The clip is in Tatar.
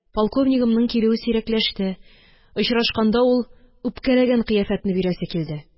Полковнигымның килүе сирәкләште, очрашканда ул үпкәләгән кыяфәтне бирәсе килде.